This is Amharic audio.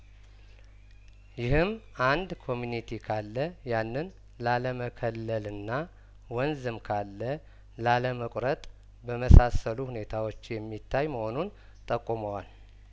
ይህም አንድ ኮሚኒቲ ካለያንን ላለመከለልና ወንዝም ካለላለመቁረጥ በመሳሰሉ ሁኔታዎች የሚታይ መሆኑን ጠቁመዋል